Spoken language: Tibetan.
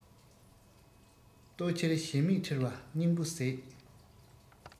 སུན མེད འབྲོག སྡེའི རི སྒོ ཉུལ ན ཡང